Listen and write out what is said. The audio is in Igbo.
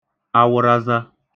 awə̣raza